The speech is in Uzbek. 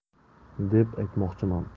deb aytmoqchiman